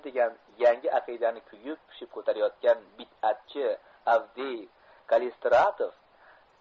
degan yangi aqidani kuyib pishib ko'tarayotgan bid'atchi avdiy kallistratov